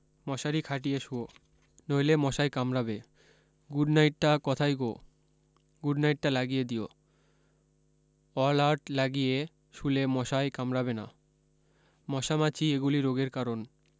মশারি খাটিয়ে শুও নইলে মশায় কামড়াবে গুড নাইট টা কথায় গো গুড নাইট টা লাগিয়ে দিও অল আট লাগিয়ে শুলে মশায় কামড়াবে না মশা মাছি এগুলি রোগের কারণ